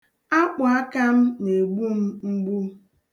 Akpụaka m na-egbu m mgbu.